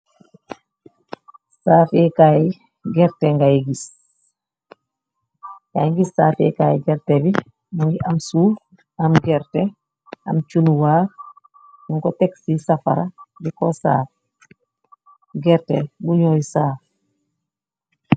Saafèkaay gertè ngè gës, ya ngi gës saafèkaay gertè bi mungi am suuf, am gertè, am chunuwaar, nung ko tekk ci safara di ko saaf. Gertè bu ñooy saaf.